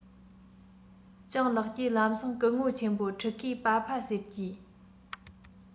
སྤྱང ལགས ཀྱིས ལམ སེང སྐུ ངོ ཆེན མོ ཕྲུ གུས པྰ ཕ ཟེར གྱིས